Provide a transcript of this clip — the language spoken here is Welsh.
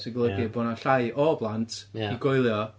Sy'n golygu... Ia? ...bod 'na llai o blant... Ia. ...i goelio.